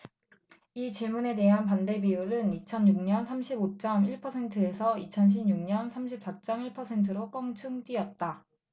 이 질문에 대한 반대비율은 이천 육 년 삼십 오 쩜 일 퍼센트에서 이천 십 육 년 사십 사 쩜 일 퍼센트로 껑충 뛰었다